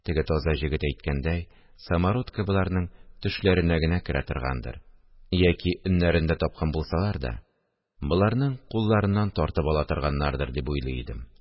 Теге таза җегет әйткәндәй, самородкы боларның төшләренә генә керә торгандыр яки өннәрендә тапкан булсалар да, боларның кулларыннан тартып ала торганнардыр», – дип уйлый идем